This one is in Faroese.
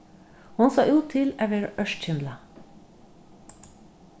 hon sá út til at vera ørkymlað